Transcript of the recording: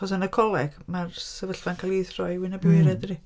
Achos yn y coleg mae'r sefyllfa'n cael ei throi wyneb i waered dydi?